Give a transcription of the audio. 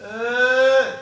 Eeeee